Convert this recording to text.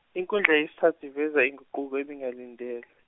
inkundla yesithathu iveza inguquko ebingalindelwe.